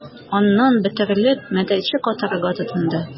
Аннан, бөтерелеп, мәтәлчек атарга тотынды...